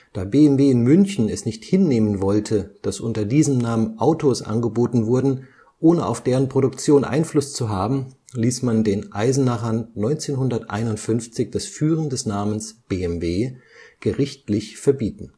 Da BMW in München es nicht hinnehmen wollte, dass unter diesem Namen Autos angeboten wurden, ohne auf deren Produktion Einfluss zu haben, ließ man den Eisenachern 1951 das Führen des Namens „ BMW “gerichtlich verbieten